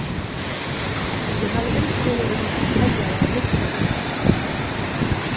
eg havi illgruna um at seljarar lumpa meg